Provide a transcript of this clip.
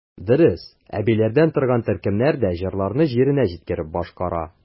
Дөрес, әбиләрдән торган төркемнәр дә җырларны җиренә җиткереп башкара.